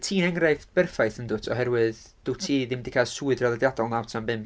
Ti'n enghraifft berffaith, yndwt, oherwydd dwyt ti ddim 'di cael swydd draddodiadol naw tan bump.